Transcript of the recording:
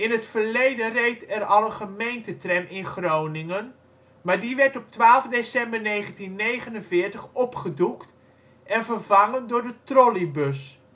het verleden reed er al een Gemeentetram in Groningen, maar die werd op 12 december 1949 opgedoekt en vervangen door de trolleybus